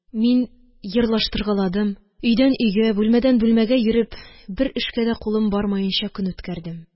Мин йырлаштыргаладым, өйдән өйгә, бүлмәдән бүлмәгә йөреп, бер эшкә дә кулым бармаенча көн үткәрдем